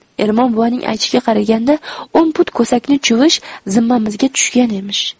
ermon buvaning aytishiga qaraganda o'n pud ko'sakni chuvish zimmamizga tushgan emish